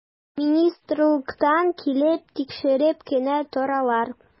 Министрлыктан килеп тикшереп кенә торалар.